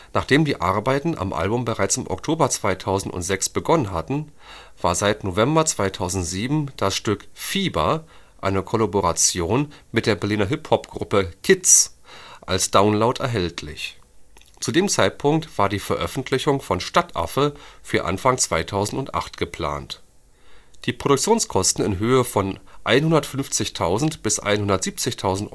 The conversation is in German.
Nachdem die Arbeiten am Album bereits im Oktober 2006 begonnen hatten, war seit November 2007 das Stück Fieber, eine Kollaboration mit der Berliner Hip-Hop-Gruppe K.I.Z., als Download erhältlich. Zu dem Zeitpunkt war die Veröffentlichung von Stadtaffe für Anfang 2008 geplant. Die Produktionskosten in Höhe von 150.000 bis 170.000 Euro